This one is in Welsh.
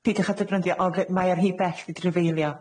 Peidwch â defnyddio O rh- mae o'n rhy bell i drafeilio